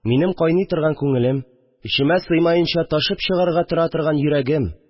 Минем кайный торган күңелем, эчемә сыймаенча ташып чыгарга тора торган йөрәгем